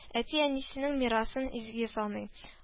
Әти-әнисе мирасын изге саный